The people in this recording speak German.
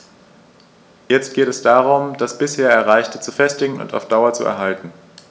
Jetzt geht es darum, das bisher Erreichte zu festigen und auf Dauer zu erhalten.